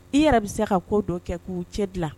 I yɛrɛ bɛ se ka ko dɔ kɛ k'u cɛ dilan